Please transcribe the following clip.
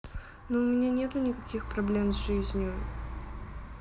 но у меня нету никаких проблем с жизнью